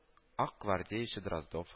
Акгвардияче Дроздов